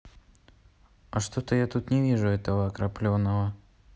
а что то я тут не вижу этого крапленого